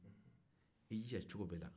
e b'i jija cogo bɛɛ la